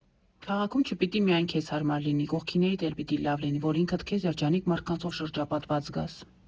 Քաղաքում չպիտի միայն քեզ հարմար լինի, կողքիններիդ էլ պիտի լավ լինի, որ ինքդ քեզ երջանիկ մարդկանցով շրջապատված զգաս։